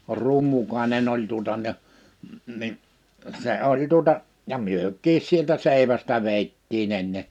Rummukainen oli tuota ja niin se oli tuota ja mekin sieltä seivästä vedettiin ennen